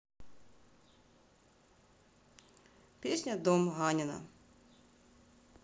песня дом ранена